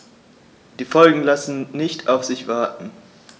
Die Folgen lassen nicht auf sich warten.